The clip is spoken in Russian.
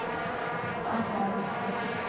а дальше